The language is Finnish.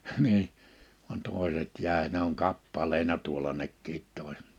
niin vaan toiset jäi ne on kappaleina tuolla nekin toiset